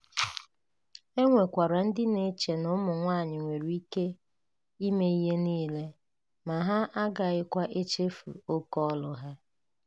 E nwekwara ndị na-eche na ụmụ nwaanyị nwere ike ime ihe niile, ma ha agaghịkwa echefu "oke ọrụ" ha